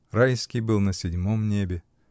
И Райский был на седьмом небе.